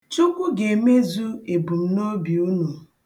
Chukwu ga-emezu ebumnobi unu.